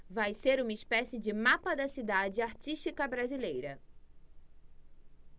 vai ser uma espécie de mapa da cidade artística brasileira